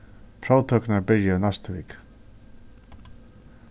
próvtøkurnar byrja í næstu viku